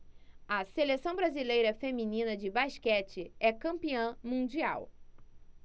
a seleção brasileira feminina de basquete é campeã mundial